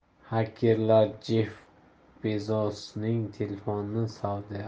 xakerlar jeff bezosning telefonini saudiya